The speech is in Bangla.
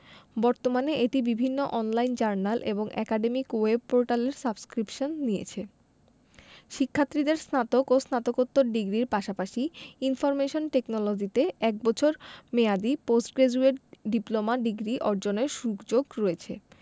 বর্তমানে এটি বিভিন্ন অন লাইন জার্নাল এবং একাডেমিক ওয়েব পোর্টালের সাবস্ক্রিপশান নিয়েছে শিক্ষার্থীদের স্নাতক ও স্নাতকোত্তর ডিগ্রির পাশাপাশি ইনফরমেশন টেকনোলজিতে এক বছর মেয়াদি পোস্ট গ্রাজুয়েট ডিপ্লোমা ডিগ্রি অর্জনের সুযোগ রয়েছে